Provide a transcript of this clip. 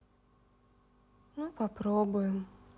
ну попробуем